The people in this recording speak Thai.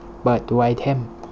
เปิดดูไอเท็ม